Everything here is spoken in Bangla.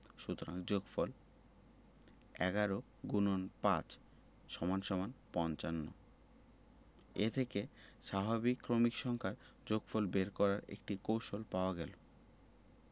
সুতরাং যোগফল ১১*৫=৫৫ এ থেকে স্বাভাবিক ক্রমিক সংখ্যার যোগফল বের করার একটি কৌশল পাওয়া গেল